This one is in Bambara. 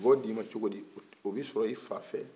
u b'o di ma cogo di o bi sɔrɔ i fa fɛ